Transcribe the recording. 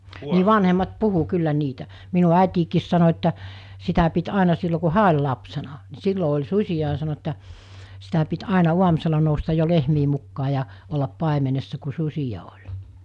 niin vanhemmat puhui kyllä niitä minun äitikin sanoi että sitä piti aina silloin kun hän oli lapsena niin silloin oli susia ja sanoi että sitä piti aina aamusella nousta jo lehmien mukaan ja olla paimenessa kun susia oli